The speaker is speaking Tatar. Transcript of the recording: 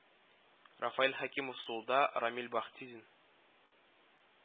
Рафаил Хәкимов сулда, Рамил Бахтизин